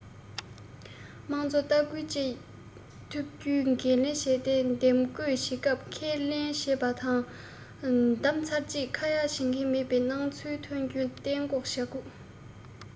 དམངས གཙོ ལྟ སྐུལ བཅས ཐུབ རྒྱུའི འགན ལེན བྱས ཏེ འདེམས བསྐོ བྱེད སྐབས ཁས ལེན བྱེད པ དང བདམས ཚར རྗེས ཁ ཡ བྱེད མཁན མེད པའི སྣང ཚུལ ཐོན རྒྱུ གཏན འགོག བྱེད དགོས